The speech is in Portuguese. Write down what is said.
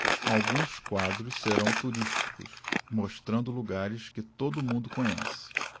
alguns quadros serão turísticos mostrando lugares que todo mundo conhece